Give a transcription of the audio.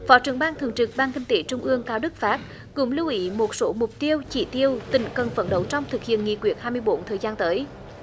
phó trưởng ban thường trực ban kinh tế trung ương cao đức phát cũng lưu ý một số mục tiêu chỉ tiêu tỉnh cần phấn đấu trong thực hiện nghị quyết hai mươi bốn thời gian tới